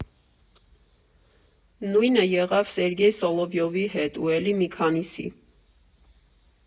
Նույնը եղավ Սերգեյ Սոլովյովի հետ ու էլի մի քանիսի։